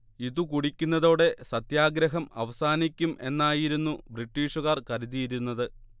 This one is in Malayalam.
ഇതു കുടിക്കുന്നതോടെ സത്യാഗ്രഹം അവസാനിക്കും എന്നായിരുന്നു ബ്രിട്ടീഷുകാർ കരുതിയിരുന്നത്